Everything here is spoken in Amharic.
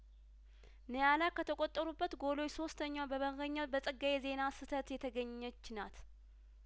ኒያላ ከተቆጠሩበት ጐሎች ሶስተኛው በበረኛው በጸጋዬ ዜና ስህተት የተገኘችናት